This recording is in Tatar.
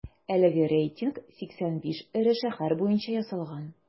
Әлеге рейтинг 85 эре шәһәр буенча ясалган.